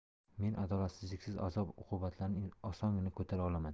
men adolatsizliksiz azob uqubatlarni osongina ko'tara olaman